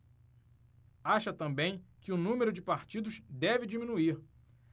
acha também que o número de partidos deve diminuir